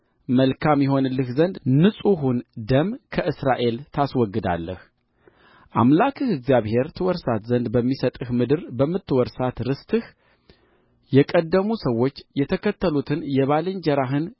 መልካም ይሆንልህ ዘንድ ንጹሑን ደም ከእስራኤል ታስወግዳለህ አምላክህ እግዚአብሔር ትወርሳት ዘንድ በሚሰጥህ ምድር በምትወርሳት ርስትህ የቀደሙ ሰዎች የተከሉትን የባልንጀራህን